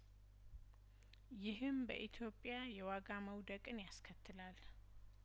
ይህም በኢትዮጵያ የዋጋ መውደቅን ያስከትላል